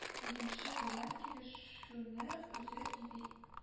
Уенчы белән килешүне үзе иди